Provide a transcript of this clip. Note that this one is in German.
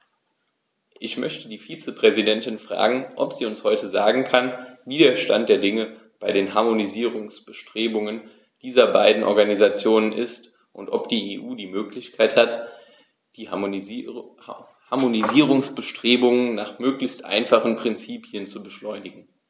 Ich möchte die Vizepräsidentin fragen, ob sie uns heute sagen kann, wie der Stand der Dinge bei den Harmonisierungsbestrebungen dieser beiden Organisationen ist, und ob die EU die Möglichkeit hat, die Harmonisierungsbestrebungen nach möglichst einfachen Prinzipien zu beschleunigen.